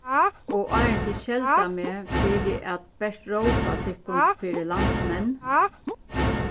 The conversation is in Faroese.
og áðrenn tit skelda meg fyri at bert rópa tykkum fyri landsmenn